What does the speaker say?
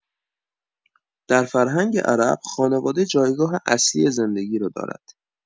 در فرهنگ عرب، خانواده جایگاه اصلی زندگی را دارد.